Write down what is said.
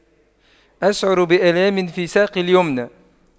أشعر بآلام في ساقي اليمنى